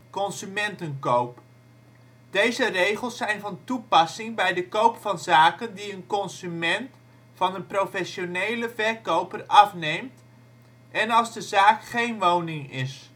consumentenkoop '). Deze regels zijn van toepassing bij de koop van zaken die een consument van een professionele verkoper afneemt en als de zaak geen woning is